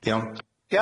Iawn.